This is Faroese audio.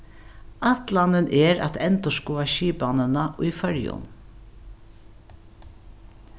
ætlanin er at endurskoða skipanina í føroyum